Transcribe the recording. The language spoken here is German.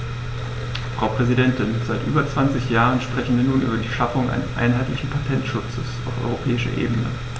Frau Präsidentin, seit über 20 Jahren sprechen wir nun über die Schaffung eines einheitlichen Patentschutzes auf europäischer Ebene.